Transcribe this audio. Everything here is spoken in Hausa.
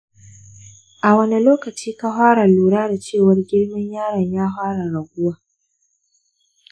a wani lokaci ka fara lura da cewa girman yaron ya fara raguwa?